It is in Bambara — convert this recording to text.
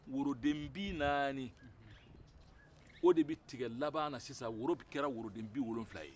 woroden binani o de bɛ tigɛ laban na sisan woro kɛra woroden biwolonwula ye